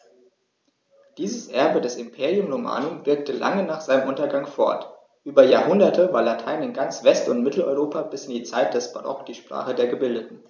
Dieses Erbe des Imperium Romanum wirkte lange nach seinem Untergang fort: Über Jahrhunderte war Latein in ganz West- und Mitteleuropa bis in die Zeit des Barock die Sprache der Gebildeten.